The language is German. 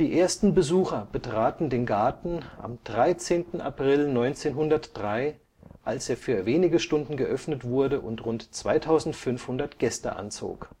ersten Besucher betraten den Garten am 13. April 1903, als er für wenige Stunden geöffnet wurde und rund 2500 Gäste anzog